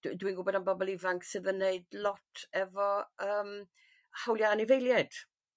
Dw dwi'n gwybod am bobol ifanc sydd yn wneud lot efo yym hawlia' anifeiliaid.